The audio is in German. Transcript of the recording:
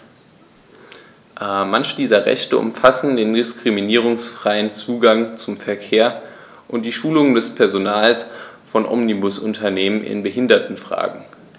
Manche dieser Rechte umfassen den diskriminierungsfreien Zugang zum Verkehr und die Schulung des Personals von Omnibusunternehmen in Behindertenfragen.